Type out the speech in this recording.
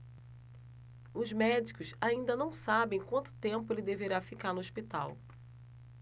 os médicos ainda não sabem quanto tempo ele deverá ficar no hospital